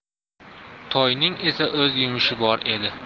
toyning esa o'z yumushi bor edi